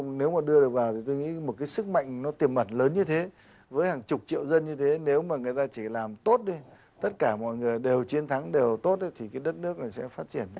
nếu mà đưa được vào thì tôi nghĩ một cái sức mạnh nó tiềm ẩn lớn như thế với hàng chục triệu dân như thế nếu mà người ta chỉ làm tốt lên tất cả mọi người đều chiến thắng đều tốt ấy thì đất nước này sẽ phát triển